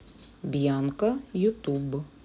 бьянка ютуб